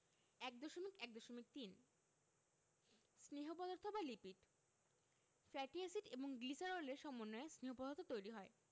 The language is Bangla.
১.১.৩ স্নেহ পদার্থ বা লিপিড ফ্যাটি এসিড এবং গ্লিসারলের সমন্বয়ে স্নেহ পদার্থ তৈরি হয়